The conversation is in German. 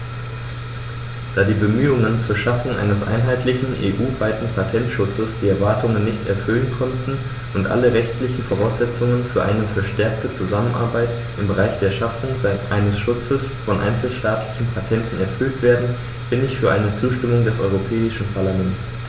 Da die Bemühungen zur Schaffung eines einheitlichen, EU-weiten Patentschutzes die Erwartungen nicht erfüllen konnten und alle rechtlichen Voraussetzungen für eine verstärkte Zusammenarbeit im Bereich der Schaffung eines Schutzes von einzelstaatlichen Patenten erfüllt werden, bin ich für eine Zustimmung des Europäischen Parlaments.